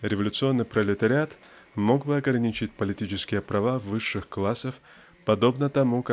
Революционный пролетариат мог бы ограничить политические права высших классов подобно тому